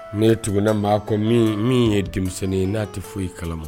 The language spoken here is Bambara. N'e tuguna maa kɔ min min ye denmisɛnnin ye n'a te foyi kalama